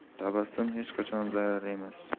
tabassum hech qachon zarar emas